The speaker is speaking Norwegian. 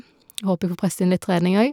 Håper jeg får presset inn litt trening òg.